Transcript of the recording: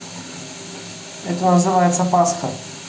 это называется пасха